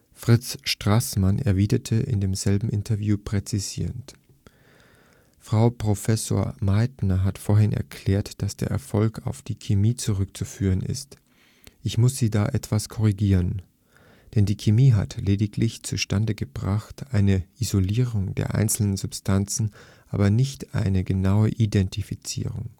Fritz Straßmann erwiderte in demselben Interview präzisierend: „ Frau Professor Meitner hat vorhin erklärt, dass der Erfolg auf die Chemie zurückzuführen ist. Ich muss sie etwas korrigieren. Denn die Chemie hat lediglich zustande gebracht eine Isolierung der einzelnen Substanzen, aber nicht eine genaue Identifizierung